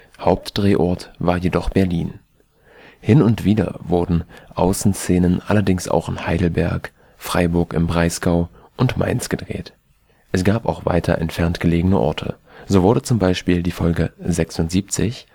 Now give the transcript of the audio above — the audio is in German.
Hauptdrehort war jedoch Berlin. Hin und wieder wurden Außenszenen allerdings auch in Heidelberg, Freiburg im Breisgau und Mainz gedreht. Es gab auch weiter entfernt gelegene Orte. So wurde zum Beispiel die Folge 76